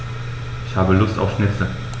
Ich habe Lust auf Schnitzel.